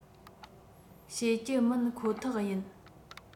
བྱེད ཀྱི མིན ཁོ ཐག ཡིན